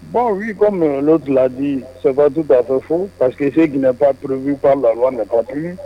Bɔn vi kɔ minɛn olu dilandi sabatu' fɛ fo pa que se ginɛba purfin pana la na tugun